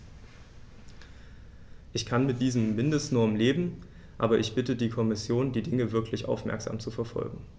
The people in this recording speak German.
Ich kann mit diesen Mindestnormen leben, aber ich bitte die Kommission, die Dinge wirklich aufmerksam zu verfolgen.